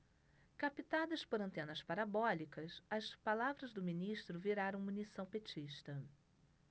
captadas por antenas parabólicas as palavras do ministro viraram munição petista